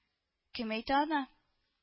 - кем әйтә аны